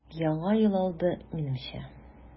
Яңа ел алды, минемчә.